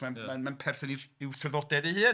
Mae'n mae'n mae'n perthyn i'w i'w thraddodiad ei hun.